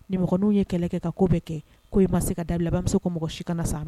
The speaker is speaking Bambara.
Ninmɔgɔin ye kɛlɛ kɛ ka koo bɛ kɛ' i ma se ka dabila a' bɛ se ko mɔgɔ si kana sa